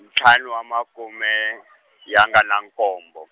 ntlhanu wa makume , ya nga na nkombo.